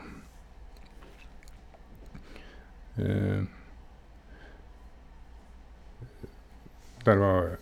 Der var...